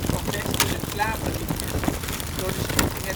van beste reclameliedjes door de stichting